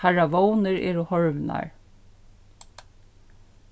teirra vónir eru horvnar